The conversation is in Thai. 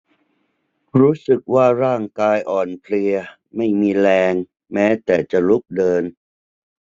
รู้สึกว่าร่างกายอ่อนเพลียไม่มีแรงแม้แต่จะลุกเดิน